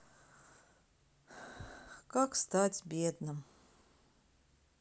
как стать бедным